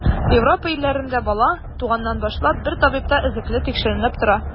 Европа илләрендә бала, туганнан башлап, бер табибта эзлекле тикшеренеп тора.